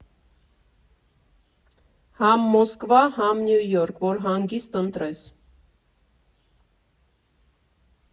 Համ Մոսկվա, համ Նյու Յորք, որ հանգիստ ընտրես։